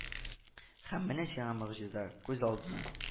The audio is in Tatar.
Һәм менә сиңа могҗиза, күз алдына